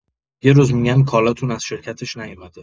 یه روز می‌گن کالاتون از شرکتش نیومده.